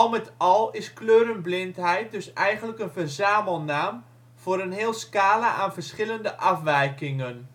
met al is ' kleurenblindheid ' dus eigenlijk een verzamelnaam voor een heel scala aan verschillende afwijkingen